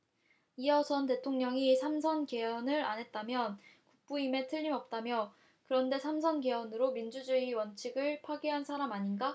이어 이 전 대통령이 삼 선 개헌을 안했다면 국부임에 틀림없다며 그런데 삼 선 개헌으로 민주주의 원칙을 파괴한 사람 아닌가